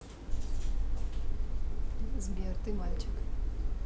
сбер ты мальчик